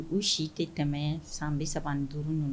U si tɛ tɛmɛ san bɛ saba duuruurun ninnu